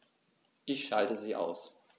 Ich schalte sie aus.